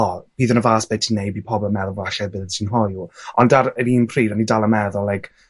o, bydd yn ofalus be' ti neu' by pobol yn meddwl falle byddet ti'n hoyw. Ond ar yr un pryd, o'n i dal yn meddwl like